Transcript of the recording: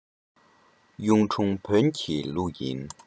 གཡུང དྲུང བོན གྱི ལུགས ཡིན